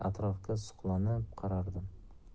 atrofga suqlanib qarardim